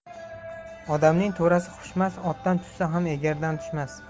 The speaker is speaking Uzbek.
odamning to'rasi xushmas otdan tushsa ham egardan tushmas